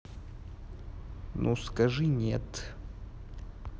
ну скажи нет